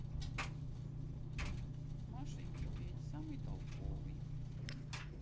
маша и медведь самый толковый